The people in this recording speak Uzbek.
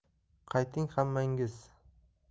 qayting hammangiz